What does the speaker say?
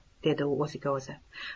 dedi u o'ziga o'zi